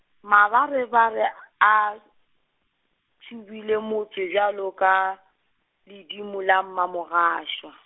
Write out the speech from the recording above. mabarebare a, thubile motse bjalo ka, ledimo la mmamogašwa.